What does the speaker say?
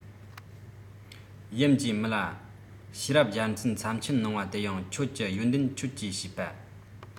ཡུམ གྱིས མི ལ ཤེས རབ རྒྱལ མཚན ཚབས ཆེན གནང བ དེ ཡང ཁྱོད ཀྱི ཡོན ཏན ཁྱོད ཀྱི བྱས པ